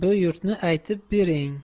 bu yurtni aytib bering